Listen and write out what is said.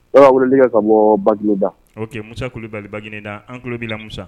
Ɔ a bolo deli ka ka bɔ bada o musa kuli kulubalibagnen na an tulo bɛ musa